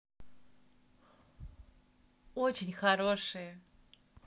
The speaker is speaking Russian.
очень хорошие